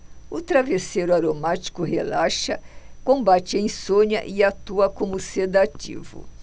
o travesseiro aromático relaxa combate a insônia e atua como sedativo